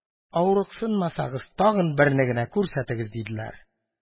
Авырыксынмасагыз, тагын берне генә күрсәтегез, – диделәр.